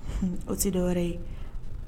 O selen dɔ wɛrɛ ye